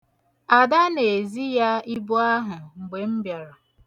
Ada na-ezi ya ibu ahụ mgbe m bịara.